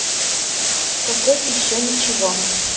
какой еще ничего